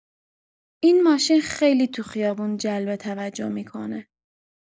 این ماشین خیلی تو خیابون جلب توجه می‌کنه.